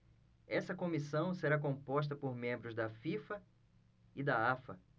essa comissão será composta por membros da fifa e da afa